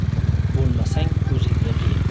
bo'lmasang o'zingga kiyin